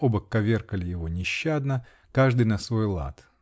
оба коверкали его нещадно, каждый на свой лад.